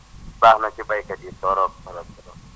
baax na si baykat yi trop trop trop